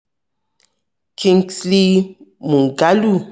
Kingsley Moghalu